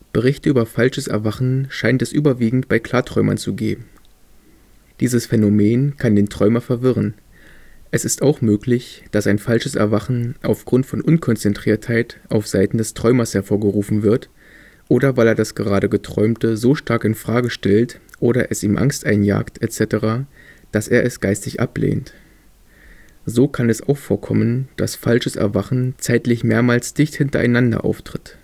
Berichte über falsches Erwachen scheint es überwiegend bei Klarträumern zu geben. Dieses Phänomen kann den Träumer verwirren. Es ist auch möglich, dass ein falsches Erwachen aufgrund von Unkonzentriertheit auf Seiten des Träumers hervorgerufen wird, oder weil er das gerade Geträumte so stark in Frage stellt oder es ihm Angst einjagt etc., dass er es geistig ablehnt. So kann es auch vorkommen, dass falsches Erwachen zeitlich mehrmals dicht hintereinander auftritt